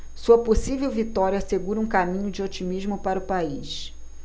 sua possível vitória assegura um caminho de otimismo para o país